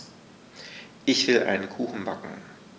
Ich will einen Kuchen backen.